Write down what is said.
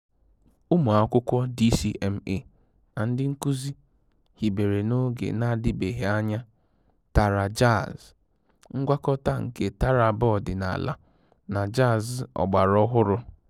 Ụmụakwụkwọ DCMA na ndị nkuzi hibere n'oge na-adịbeghị anya "TaraJazz", ngwakọta nke taarab ọdịnaala na jazz ọgbara ọhụrụ.